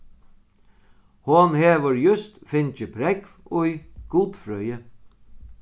hon hevur júst fingið prógv í gudfrøði